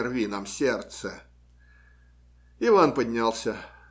- Не рви нам сердце. Иван поднялся.